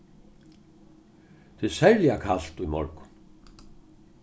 tað er serliga kalt í morgun